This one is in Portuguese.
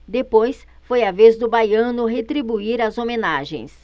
depois foi a vez do baiano retribuir as homenagens